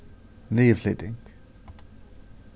niðurflyting